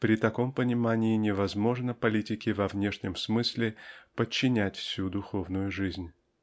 при таком понимании невозможно политике во внешнем смысле подчинять всю духовную жизнь.